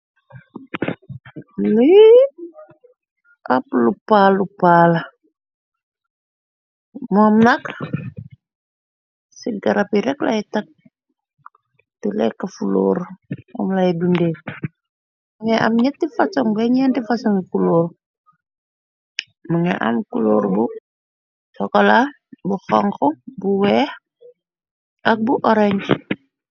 Lu ab lu paalu paala moom nak ci garab yi rekk lay tag ti lekka fulóor amlay dundee mangay am netti fason beneenti fason kulóor mu nga am kulóor bu sokola bu xank bu weex ak bu orange.